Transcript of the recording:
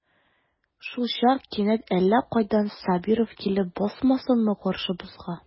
Шулчак кинәт әллә кайдан Сабиров килеп басмасынмы каршыбызга.